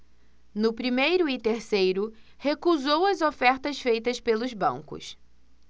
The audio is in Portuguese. no primeiro e terceiro recusou as ofertas feitas pelos bancos